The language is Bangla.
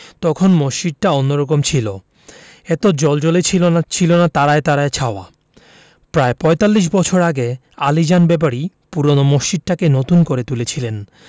তখন মসজিদটা অন্যরকম ছিল এত জ্বলজ্বলে ছিল না ছিলনা তারায় তারায় ছাওয়া প্রায় পঁয়তাল্লিশ বছর আগে আলীজান ব্যাপারী পূরোনো মসজিদটাকে নতুন করে তুলেছিলেন